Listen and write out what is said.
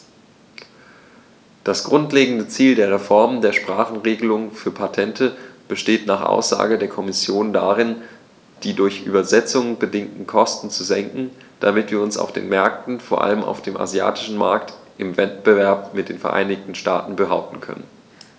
Das grundlegende Ziel der Reform der Sprachenregelung für Patente besteht nach Aussage der Kommission darin, die durch Übersetzungen bedingten Kosten zu senken, damit wir uns auf den Märkten, vor allem auf dem asiatischen Markt, im Wettbewerb mit den Vereinigten Staaten behaupten können.